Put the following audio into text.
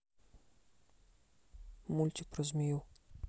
мультик про змею